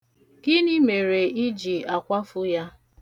Gịnị mere ị ji akwafu ya?